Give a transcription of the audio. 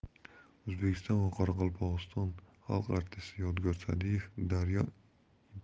o'zbekiston va qoraqalpog'iston xalq artisti yodgor sa'diyev